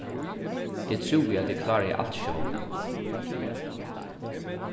eg trúði at eg kláraði alt sjálv